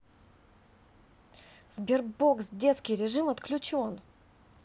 sberbox детский режим отключен